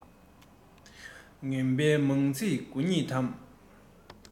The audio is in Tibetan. ངན པའི མང ཚིག དགུ ཉིད དམ